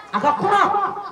A ka kura